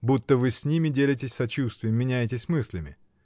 — Будто вы с ними делитесь сочувствием, меняетесь мыслями?